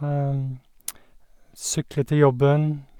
Sykler til jobben.